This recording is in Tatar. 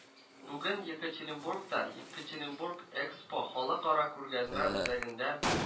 Бүген Екатеринбургта “Екатеринбург-Экспо” халыкара күргәзмә үзәгендә